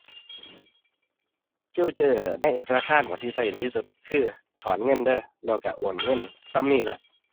ฟีเจอร์ในแอปธนาคารบ่ที่ใช้ดู๋ที่สุด คือ ถอนเงินเด้อ แล้วใช้โอนเงินส่ำนี่ล่ะ